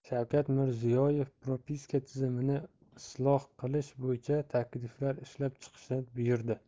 shavkat mirziyoyev propiska tizimini isloh qilish bo'yicha takliflar ishlab chiqishni buyurdi